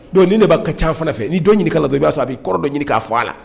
Don ni de'a ka ca fana fɛ n'i dɔn ɲini don b'a a b' kɔrɔ dɔn ɲini k' fɔ a la